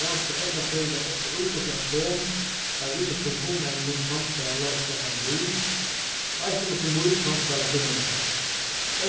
granska evnafrøðingar ofta í hvussu atom av ymiskum frumevnum samspæla og skapa mýl og eisini hvussu mýl samspæla sínámillum